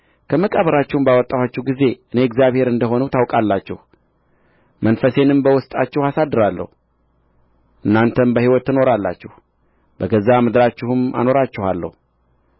ከመቃብራችሁም ባወጣኋችሁ ጊዜ እኔ እግዚአብሔር እንደ ሆንሁ ታውቃላችሁ መንፈሴንም በውስጣችሁ አሳድራለሁ እናንተም በሕይወት ትኖራላችሁ በገዛ ምድራችሁም አኖራችኋለሁ